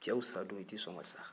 cɛw sa don i tɛ sɔn ka sa